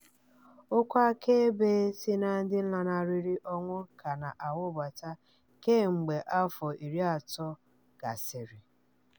Okwu akaebe si na ndị lanarịrị ọnwụ ka na-awụbata kemgbe afọ 30 gasịrị.